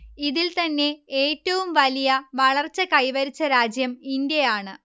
ഇതിൽ തന്നെ ഏറ്റവും വലിയ വളർച്ച കൈവരിച്ച രാജ്യം ഇന്ത്യയാണ്